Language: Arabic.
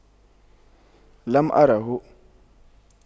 لم أره